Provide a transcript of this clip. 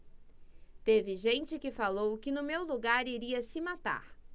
teve gente que falou que no meu lugar iria se matar